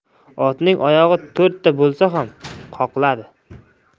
otning oyog'i to'rtta bo'lsa ham qoqiladi